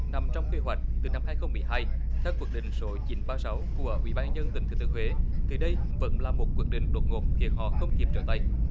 nằm trong quy hoạch từ năm hai không mười hai theo quyết định số chín ba sáu của ủy ban nhân dân tỉnh thừa thiên huế thì đây vẫn là một quyết định đột ngột khiến họ không kịp trở tay